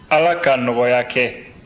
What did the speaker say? ala ka nɔgɔya kɛ